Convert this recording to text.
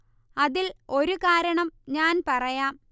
അതിൽ ഒരു കാരണം ഞാൻ പറയാം